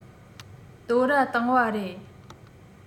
བསྟོད ར བཏང བ རེད